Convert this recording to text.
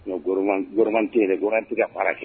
Nkaman tɛ yɛrɛ tɛ ka baara kɛ